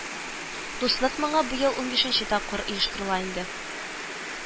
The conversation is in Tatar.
Дуслык моңы быел унбишенче тапкыр оештырыла инде